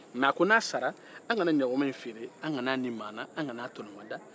mɛ a ko n'a sara an kana ɲamɛ in feere an kan'a nin maa na an kan'a tɔnɔmada